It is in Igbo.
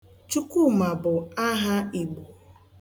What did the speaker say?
Chukwuma bụ aha Igbo.